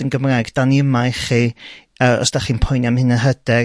yn Gymraeg 'da ni yma i chi yy os 'da chi'n poeni am hyn yn hyder